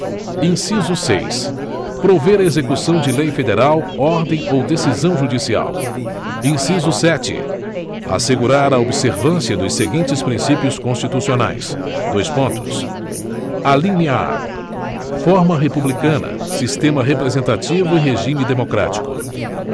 inciso seis prover a execução de lei federal ordem ou decisão judicial inciso sete assegurar a observância dos seguintes princípios constitucionais dois pontos alínea a forma republicana sistema representativo e regime democrático